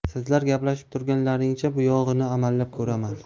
sizlar gaplashib turgunlaringcha buyog'ini amallab ko'raman